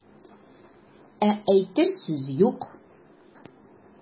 Ә әйтер сүз юк.